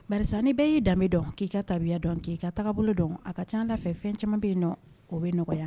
Mi ni bɛɛ y'i da dɔn k'i ka tabiya dɔn k'i ka taga taabolo bolo dɔn a ka ca lafifɛ fɛn caman bɛ yen dɔn o bɛ nɔgɔya